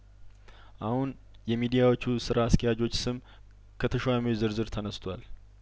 አሁን የሚዲያዎቹ ስራ አስኪያጆች ስም ከተሿሚዎች ዝርዝር ተነስቷል